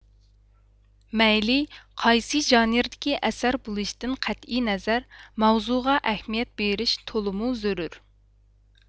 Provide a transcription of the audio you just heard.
مەيلى قايسى ژانىردىكى ئەسەر بولۇشىدىن قەتئىينەزەر ماۋزۇغا ئەھمىيەت بېرىش تولىمۇ زۆرۈر